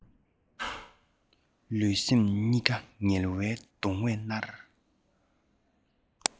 ལུས སེམས གཉིས ཀ ངལ བའི གདུང བས མནར